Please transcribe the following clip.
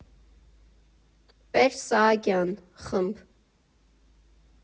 Պերճ Սահակյան ֊ խմբ.